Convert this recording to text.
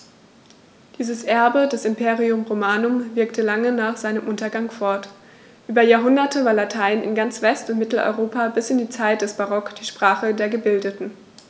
Dieses Erbe des Imperium Romanum wirkte lange nach seinem Untergang fort: Über Jahrhunderte war Latein in ganz West- und Mitteleuropa bis in die Zeit des Barock die Sprache der Gebildeten.